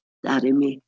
Ddaru mi.